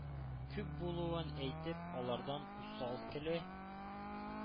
Күп булуын әйтеп, алардан усал көлә: